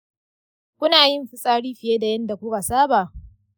kuna yin fitsari fiye da yadda kuka saba?